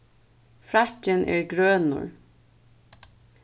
frakkin er grønur